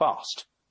fast.